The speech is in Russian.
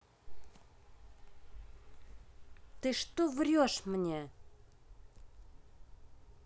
ты что врешь мне